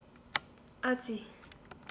ཨ ཙི